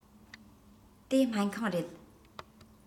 དེ སྨན ཁང རེད